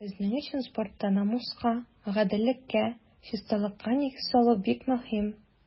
Безнең өчен спортта намуска, гаделлеккә, чисталыкка нигез салу бик мөһим.